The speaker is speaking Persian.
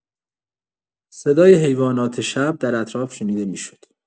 صدای حیوانات شب در اطراف شنیده می‌شد.